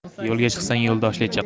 yo'lga chiqsang yo'ldoshli chiq